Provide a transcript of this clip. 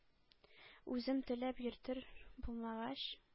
Үзем теләп йөртер булмагач,